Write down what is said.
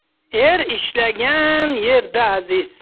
er ishlagan yerda aziz